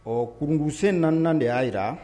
Ɔ kunumusen nana de y'a jira